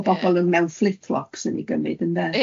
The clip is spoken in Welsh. o bobol yn mewn fflip-fflops yn 'i gymyd ynde?